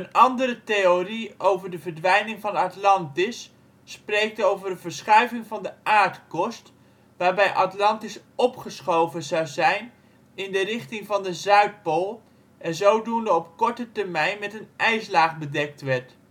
andere theorie over de verdwijning van Atlantis spreekt over een verschuiving van de aardkorst, waarbij Antarctica opgeschoven zou zijn in de richting van de zuidpool en zodoende op korte termijn met een ijslaag bedekt werd